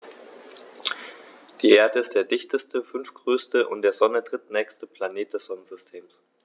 Die Erde ist der dichteste, fünftgrößte und der Sonne drittnächste Planet des Sonnensystems.